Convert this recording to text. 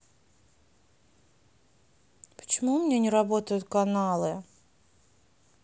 почему у меня не работают каналы